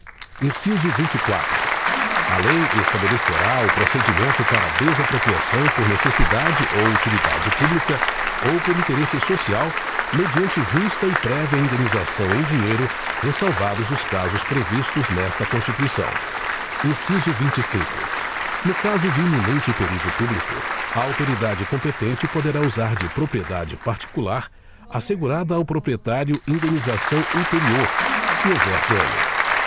inciso vinte e quatro a lei estabelecerá o procedimento para desapropriação por necessidade ou utilidade pública ou por interesse social mediante justa e prévia indenização em dinheiro ressalvados os casos previstos nesta constituição inciso vinte e cinco no caso de iminente perigo público a autoridade competente poderá usar de propriedade particular assegurada ao proprietário indenização ulterior se houver dano